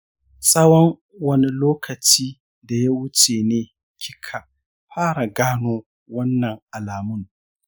tsawon wani lokaci daya wuce ne kika fara gano wannan alamun?